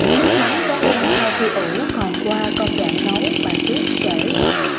nước mắm cá linh sau khi ủ còn qua công đoạn nấu bà tuyết kể